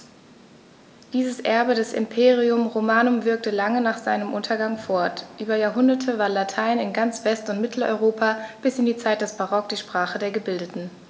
Dieses Erbe des Imperium Romanum wirkte lange nach seinem Untergang fort: Über Jahrhunderte war Latein in ganz West- und Mitteleuropa bis in die Zeit des Barock die Sprache der Gebildeten.